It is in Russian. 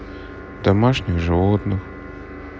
домашних животных